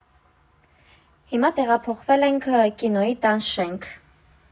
Հիմա տեղափոխվել ենք կինոյի տան շենք։